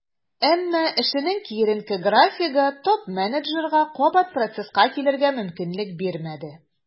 Әмма эшенең киеренке графигы топ-менеджерга кабат процесска килергә мөмкинлек бирмәде.